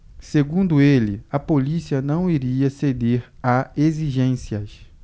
segundo ele a polícia não iria ceder a exigências